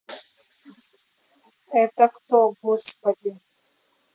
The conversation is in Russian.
это кто господи